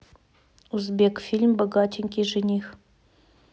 узбекфильм богатенький жених